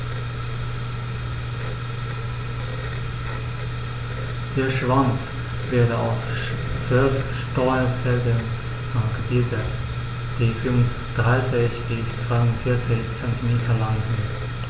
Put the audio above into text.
Der Schwanz wird aus 12 Steuerfedern gebildet, die 34 bis 42 cm lang sind.